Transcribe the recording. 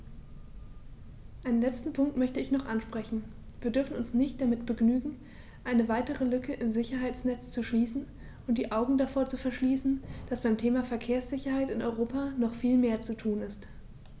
Einen letzten Punkt möchte ich noch ansprechen: Wir dürfen uns nicht damit begnügen, eine weitere Lücke im Sicherheitsnetz zu schließen und die Augen davor zu verschließen, dass beim Thema Verkehrssicherheit in Europa noch viel mehr zu tun ist.